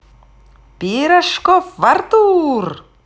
пирожков артур